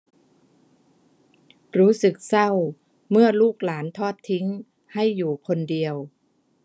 รู้สึกเศร้าเมื่อลูกหลานทอดทิ้งให้อยู่คนเดียว